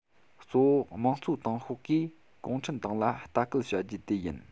གཙོ བོ དམངས གཙོའི ཏང ཤོག གིས གུང ཁྲན ཏང ལ ལྟ སྐུལ བྱ རྒྱུ དེ ཡིན